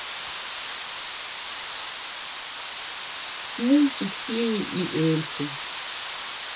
мультик феи и эльфы